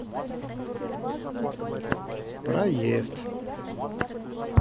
проезд